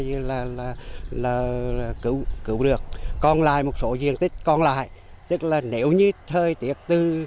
là là cứu cứu được còn lại một số diện tích còn lại nhất là nếu như thời tiết từ